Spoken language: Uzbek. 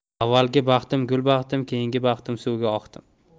avvalgi baxtim gul baxtim keyingi baxtim suvga oqdim